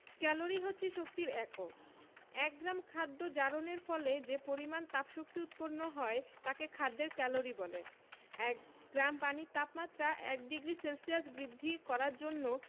calorie হচ্ছে শক্তির একক এক গ্রাম খাদ্য জারণের ফলে যে পরিমাণ তাপশক্তি উৎপন্ন হয় তাকে খাদ্যের ক্যালরি বলে এক গ্রাম পানির তাপমাত্রা ১ ডিগ্রি সেলসিয়াস বৃদ্ধি করার জন্য